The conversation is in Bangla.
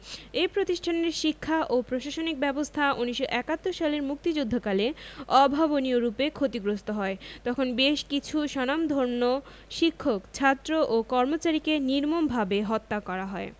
এ প্রতিষ্ঠানের শিক্ষা ও প্রশাসনিক ব্যবস্থা ১৯৭১ সালের মুক্তিযুদ্ধকালে অভাবনীয়রূপে ক্ষতিগ্রস্ত হয় তখন বেশ কিছু স্বনামধন্য শিক্ষক ছাত্র ও কর্মচারীকে নির্মমভাবে হত্যা করা হয়